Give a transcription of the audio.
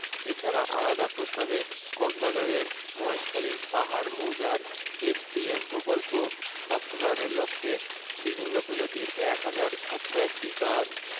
এছাড়া আলাদা প্রস্তাবে কক্সবাজারের মহেশখালীর পাহাড় মৌজার এসপিএম প্রকল্প বাস্তবায়নের লক্ষ্যে বিভিন্ন প্রজাতির ১ হাজার ৭০১টি গাছ